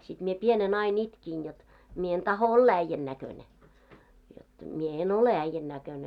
sitten minä pienenä aina itkin jotta minä en tahdo olla äijän näköinen jotta minä en ole äijän näköinen